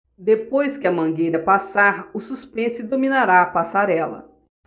depois que a mangueira passar o suspense dominará a passarela